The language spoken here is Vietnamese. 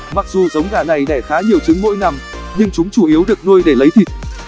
mặc dù giống gà này đẻ khá nhiều trứng mỗi năm nhưng chúng chủ yếu được nuôi để lấy thịt